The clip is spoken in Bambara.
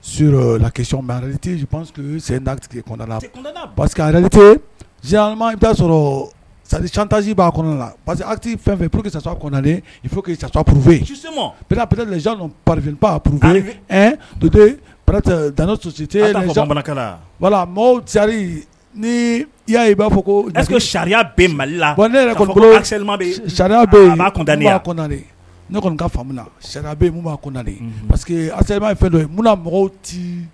S lacti parce i' sɔrɔ sa tansi'a la parce queti fɛn fɛ p que saɛ sa purfepfe ppfete dansi wala cari ni i ya i b'a fɔ ko sariyaya bɛ mali la wa ne yɛrɛ sariyaya ne kɔni ka faamuya sariya bɛ pa que fɛn don na mɔgɔw ci